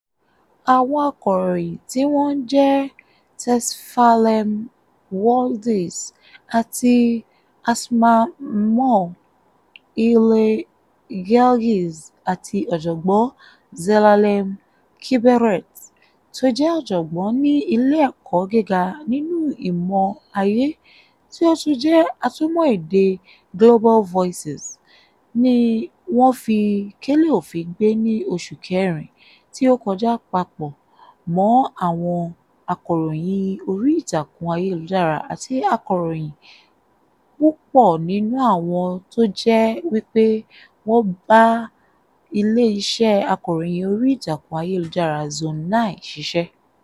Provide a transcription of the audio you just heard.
Àwọn akọ̀ròyìn tí wọ́n ń jẹ́ Tesfalem Waldyes àti Asmamaw Hailegiorgis àti ọ̀jọ̀gbọ́n Zelalem Kiberet to jẹ́ ọ̀jọ̀gbọ́n ní ilé ẹ̀kọ́ gíga nínú ìmọ̀ ayé, tí ó tún jẹ́ atúmọ̀ èdè Global Voices, ní wọ́n fi kélé òfin gbé ní oṣù kẹrin tí ó kọjá papọ̀ mọ́ àwọn akọ̀ròyìn orí ìtàkùn ayélujára àti akọ̀ròyìn, púpọ̀ nínú àwọn tó jẹ́ wípé wọ́n bá ilé iṣẹ́ akọ̀ròyìn orí ìtàkùn ayélujára Zone9 ṣiṣẹ́.